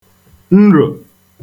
nrò